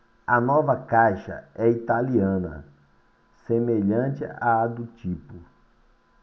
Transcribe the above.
a nova caixa é italiana semelhante à do tipo